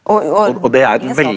og og .